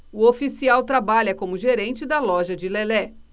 o oficial trabalha como gerente da loja de lelé